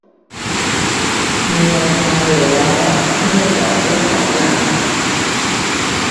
มีอาการเหนื่อยล้าเนื่องจากยกของหนัก